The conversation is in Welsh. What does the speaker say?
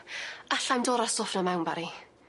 Allai'm dod â'r stwff 'na mewn Bari.